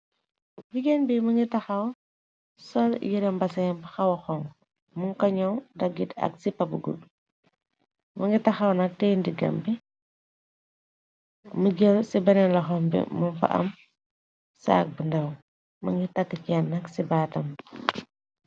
Jigéen bi më ngi taxaw sol yiram baseb xawa xong, mu kañëw daggit ak ci pabgul, mu ngi taxaw na tey ndiggam bi, mi jël ci benen loxom bi, mu fa am saag bi ndaw, mëngi takkcannak ci baatamb.